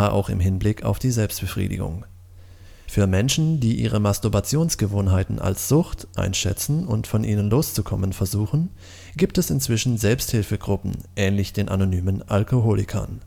auch im Hinblick auf die Selbstbefriedigung. Für Menschen, die ihre Masturbationsgewohnheiten als Sucht einschätzen und von ihnen loszukommen versuchen, gibt es inzwischen Selbsthilfegruppen ähnlich den Anonymen Alkoholikern